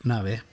'Na fe.